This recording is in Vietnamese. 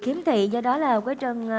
khiếm thị do đó là quế trân